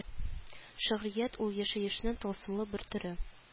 Шигърият ул яшәешнең тылсымлы бер төре